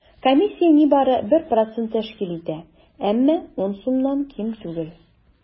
Комиссия нибары 1 процент тәшкил итә, әмма 10 сумнан ким түгел.